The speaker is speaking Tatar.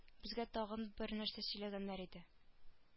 Безгә тагын бер нәрсә сөйләгәннәр иде